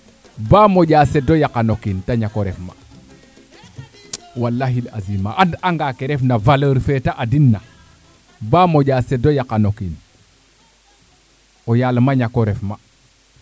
baa moƴa seda yaqono kiin te ref ma walay aziim a an anga ke ref na valeur fe te adin na baa moƴa sedo yaqano kiin o yaal ma ñako ref ma